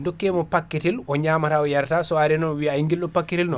dokkemo paquet tel o ñamata o yarata so ari non o wiye ayi guel ɗo paquet tel non